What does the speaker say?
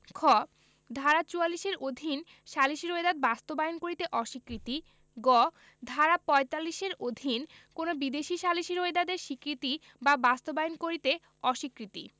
খ ধারা ৪৪ এর অধীন সালিসী রোয়েদাদ বাস্তবায়ন করিতে অস্বীকৃতি গ ধারা ৪৫ এর অধীন কোন বিদেশী সালিসী রোয়েদাদ এর স্বীকৃতি বা বাস্তবায়ন করিতে অস্বীকৃতি